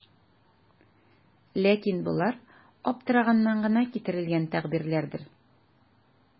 Ләкин болар аптыраганнан гына китерелгән тәгъбирләрдер.